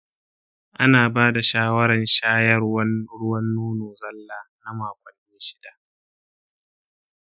ana bada shawaran shayarwan ruwan nono zalla na makonni shida.